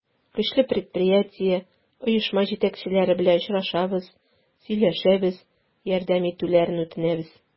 Көчле предприятие, оешма җитәкчеләре белән очрашабыз, сөйләшәбез, ярдәм итүләрен үтенәбез.